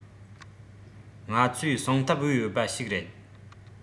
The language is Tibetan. ང ཚོས གསང ཐབས སྦས ཡོད པ ཞིག རེད